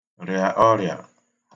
rịa ọrịa